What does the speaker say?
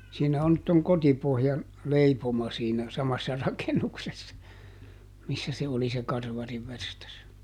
siinä on nyt tuon Kotipohjan leipomo siinä samassa rakennuksessa missä se oli se karvarinverstas